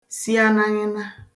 si anaghịna